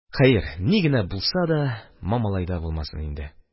Хәер, ни генә булса да, Мамалайда булмасын инде